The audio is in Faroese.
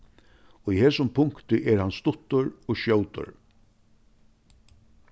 í hesum punkti er hann stuttur og skjótur